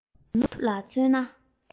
དོ ནུབ ལ མཚོན ན